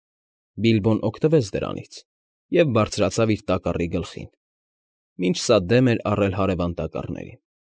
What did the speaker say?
Բիլբոն օգտվեց դրանից և բարձրացավ իր տակառի գլխին, մինչև սա դեմ էր առել հարևան տակառներին։